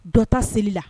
Dɔ ta seli la